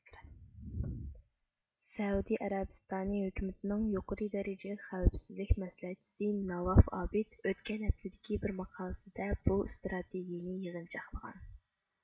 سەئۇدى ئەرەبىستانى ھۆكۈمىتىنىڭ يۇقىرى دەرىجىلىك خەۋپسىزلىك مەسلىھەتچىسى ناۋاف ئابىد ئۆتكەن ھەپتىدىكى بىر ماقالىسىدە بۇ ئىستراتېگىيىنى يىغىنچاقلىغان